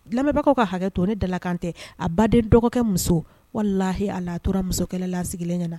Dilanbagawkaw ka hakɛ to ne dalakantɛ a baden dɔgɔkɛ muso walahi a la a tora musokɛla la sigilen ɲɛna na